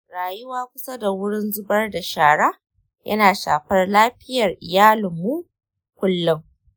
rayuwa kusa da wurin zubar da shara yana shafar lafiyar iyalinmu kullum.